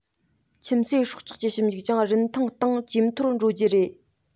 ཁྱིམ གསོས སྲོག ཆགས ཀྱི ཞིབ འཇུག ཀྱང རིན ཐང སྟེང ཇེ མཐོར འགྲོ རྒྱུ རེད